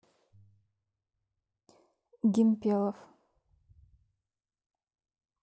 гимпелов